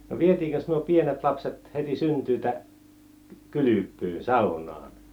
no vietiinkö nuo pienet lapset heti synnyttyä kylpyyn saunaan